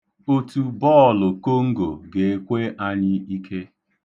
Otu bọọlụ Kongo ga-ekwe anyị ike.